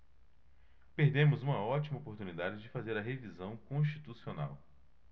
perdemos uma ótima oportunidade de fazer a revisão constitucional